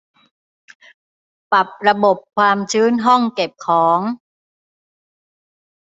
ปรับระบบความชื้นห้องเก็บของ